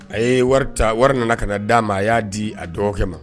A ye wari nana ka na d'a ma a y'a di a dɔgɔkɛ ma